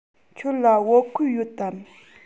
ཁྱོད ལ བོད གོས ཡོད དམ